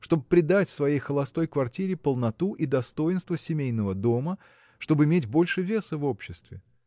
чтоб придать своей холостой квартире полноту и достоинство семейного дома чтоб иметь больше веса в обществе?